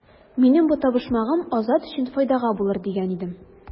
Минем бу табышмагым Азат өчен файдага булыр дигән идем.